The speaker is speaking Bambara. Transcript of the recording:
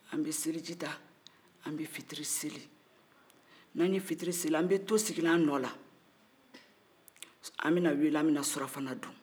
an bɛ seli jita an bɛ fitiri seli n'an ye fitiri seli an bɛ to sigilen an nɔ la an bɛna weele an bɛna surafana dun